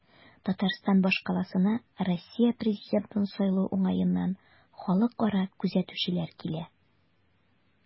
Татарстан башкаласына Россия президентын сайлау уңаеннан халыкара күзәтүчеләр килә.